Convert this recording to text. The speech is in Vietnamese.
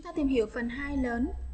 chúng ta tìm hiểu phần hai lớn